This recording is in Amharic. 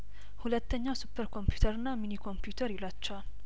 ሁለተኛው ሱፐር ኮምፒውተርና ሚኒ ኮምፒውትር ይሏቸዋል